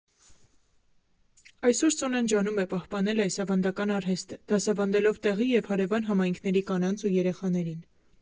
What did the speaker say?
Այսօր Սոնան ջանում է պահպանել այս ավանդական արհեստը՝ դասավանդելով տեղի և հարևան համայնքների կանանց ու երեխաներին։